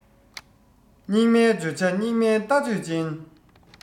སྙིགས མའི བརྗོད བྱ སྙིགས མའི ལྟ སྤྱོད ཅན